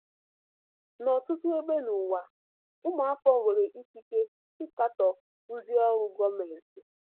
N'ọtụtụ ebe n'ụwa, ụmụafọ nwere ikike ịkatọ ndịọrụ gọọmentị.